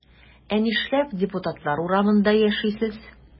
Ә нишләп депутатлар урамында яшисез?